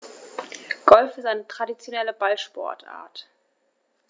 Golf ist eine traditionelle Ballsportart.